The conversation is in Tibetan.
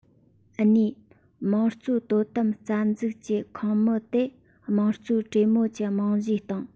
གཉིས དམངས གཙོའི དོ དམ རྩ འཛུགས ཀྱི ཁོངས མི དེ དམངས གཙོའི གྲོས མོལ གྱི རྨང གཞིའི སྟེང